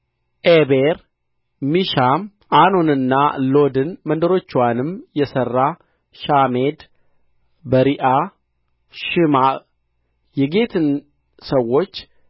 ዔቤር ሚሻም ኦኖንና ሎድን መንደሮቻቸውንም የሠራ ሻሚድ በሪዓ ሽማዕ የጌትን ሰዎች